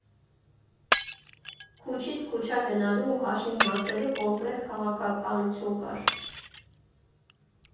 Քուչից քուչա գնալու ու հաշիվ մաքրելու կոնկրետ քաղաքականություն կար։